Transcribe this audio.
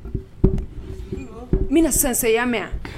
N bɛna sansɛn i y'a mɛn yan